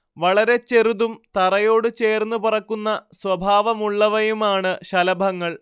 വളരെ ചെറുതും തറയോട് ചേർന്ന് പറക്കുന്ന സ്വഭാവമുള്ളവയുമാണ് ശലഭങ്ങൾ